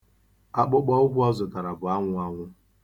Akpụkpụụkwụ ọ zụtara bụ anwụanwụ.